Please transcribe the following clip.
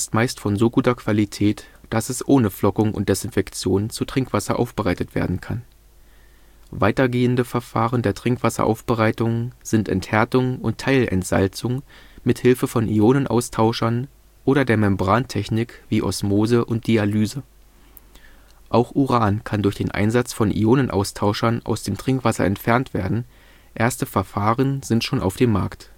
meist von so guter Qualität, dass es ohne Flockung und Desinfektion zu Trinkwasser aufbereitet werden kann. Weitergehende Verfahren der Trinkwasseraufbereitung sind Enthärtung und Teilentsalzung mit Hilfe von Ionenaustauschern oder der Membrantechnik wie Osmose und Dialyse. Auch Uran kann durch den Einsatz von Ionenaustauschern aus dem Trinkwasser entfernt werden, erste Verfahren sind schon auf dem Markt